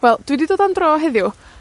Wel, dwi 'di dod am dro heddiw